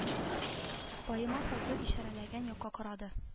Баемас аты ишарәләгән якка карады